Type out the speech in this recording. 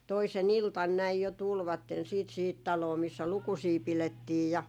toisena iltana näin jo tulivat sitten siihen taloon missä lukusia pidettiin ja